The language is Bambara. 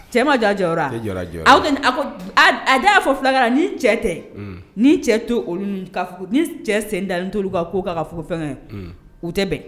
Cɛ majaja a da y'a fɔ fulaka ni cɛ tɛ ni cɛ to olu ni cɛ sen dalen tolu' ko k' ka fo fɛn u tɛ bɛn